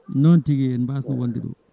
noon tigui en mbasno wonde ɗo